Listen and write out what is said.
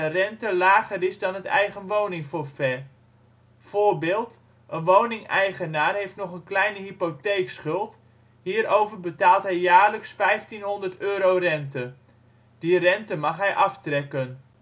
rente lager is dan het eigenwoningforfait. Voorbeeld: een woningeigenaar heeft nog een kleine hypotheekschuld, hierover betaalt hij jaarlijks € 1.500 euro rente, die rente mag hij aftrekken